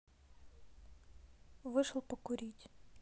вышел покурить